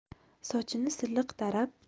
sochini silliq tarab